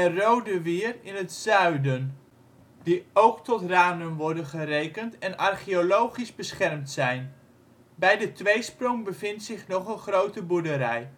Rode Wier (zuiden), die ook tot Ranum worden gerekend en archeologisch beschermd zijn. Bij de tweesprong bevindt zich nog een grote boerderij